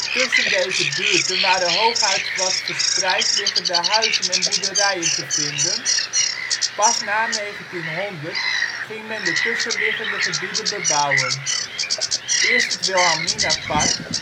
Tussen deze buurten waren hooguit wat verspreid liggende huizen en boerderijen te vinden. Pas na 1900 ging men de tussenliggende gebieden bebouwen. Eerst het Wilhelminapark